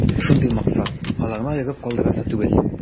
Шундый максат: аларны аерып калдырасы түгел.